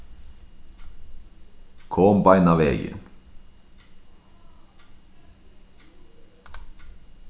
kom beinanvegin